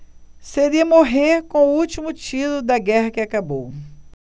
seria morrer com o último tiro da guerra que acabou